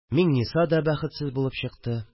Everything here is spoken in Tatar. Миңниса да бәхетсез булып чыкты